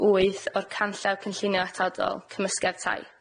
wyth o'r canllaw cynllunio atodol, cymysgedd tai.